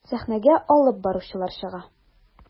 Сәхнәгә алып баручылар чыга.